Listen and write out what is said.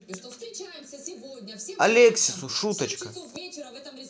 алексису шуточка